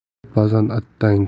faqt bazan attang